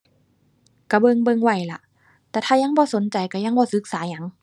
ก็เบิ่งเบิ่งไว้ล่ะ แต่ถ้ายังบ่สนใจก็ยังบ่ศึกษาหยัง